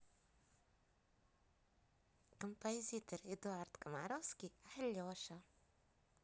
композитор эдуард комаровский алеша